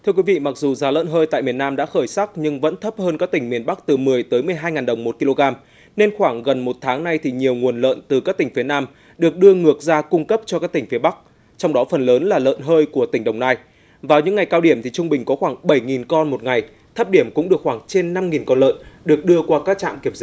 thưa quý vị mặc dù giá lợn hơi tại miền nam đã khởi sắc nhưng vẫn thấp hơn các tỉnh miền bắc từ mười tới mười hai ngàn đồng một ki lô gam nên khoảng gần một tháng nay thì nhiều nguồn lợn từ các tỉnh phía nam được đưa ngược ra cung cấp cho các tỉnh phía bắc trong đó phần lớn là lợn hơi của tỉnh đồng nai vào những ngày cao điểm thì trung bình có khoảng bảy nghìn con một ngày thấp điểm cũng được khoảng trên năm nghìn con lợn được đưa qua các trạm kiểm dịch